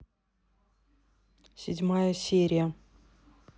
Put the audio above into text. седьмая серия